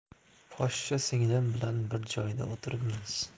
poshsha singlim bilan bir joyda o'tiribmiz